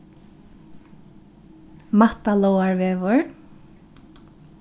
mattalágarvegur